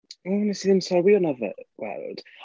O, wnes i ddim sylwi hwnna dd- weld.